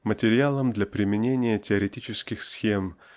материалом для применения теоретических схем